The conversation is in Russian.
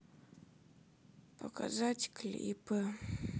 показать клипы